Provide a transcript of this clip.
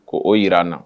Ko o jira an na